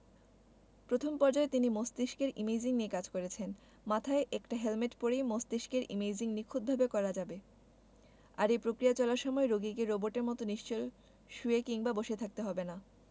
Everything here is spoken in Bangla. প্রথম পর্যায়ে তারা মস্তিষ্কের ইমেজিং নিয়ে কাজ করেছেন মাথায় একটা হেলমেট পরেই মস্তিষ্কের ইমেজিং নিখুঁতভাবে করা যাবে আর এই প্রক্রিয়া চলার সময় রোগীকে রোবটের মতো নিশ্চল শুয়ে কিংবা বসে থাকতে হবে না